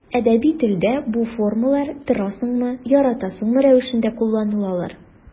Әдәби телдә бу формалар торасыңмы, яратасыңмы рәвешендә кулланылалар.